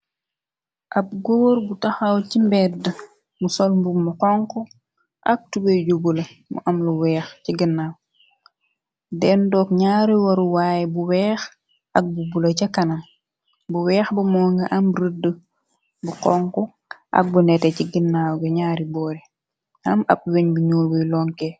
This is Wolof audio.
ak góor bu taxaw ci mbedd mu solmbu mu xonk ak tube jubula mu am lu weex ci ginnaw denn dook ñaari waruwaay bu weex ak bu bula ca kanam bu weex ba moo nga am rudd bu xonk ak bu nete ci ginnaaw gi ñaari boore am ab weñ bi ñuul buy lonkee.